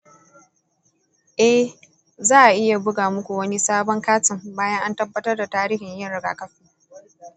eh, za a iya buga muku wani sabon katin bayan an tabbatar da tarihin yin rigakafi.